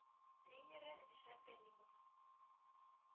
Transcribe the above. Тренеры – ришат галимов).